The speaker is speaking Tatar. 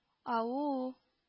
- ау-у-у! -